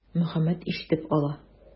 Мөхәммәт ишетеп ала.